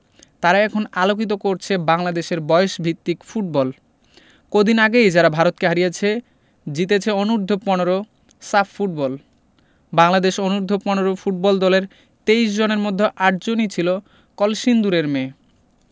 তারা এখন আলোকিত করছে বাংলাদেশের বয়সভিত্তিক ফুটবল কদিন আগেই যারা ভারতকে হারিয়েছে জিতেছে অনূর্ধ্ব ১৫ সাফ ফুটবল বাংলাদেশ অনূর্ধ্ব ১৫ ফুটবল দলের ২৩ জনের মধ্যে ৮ জনই ছিল কলসিন্দুরের মেয়ে